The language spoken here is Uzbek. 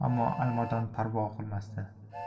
ammo alimardon parvo qilmasdi